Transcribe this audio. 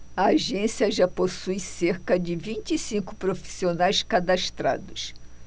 a agência já possui cerca de vinte e cinco profissionais cadastrados